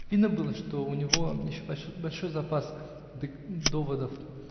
" Видно было, что у него еще большой запас доводов